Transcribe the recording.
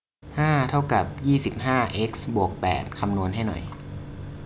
ห้าเท่ากับยี่สิบห้าเอ็กซ์บวกแปดคำนวณให้หน่อย